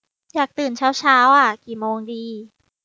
อยากตื่นเช้าเช้าอะกี่โมงดี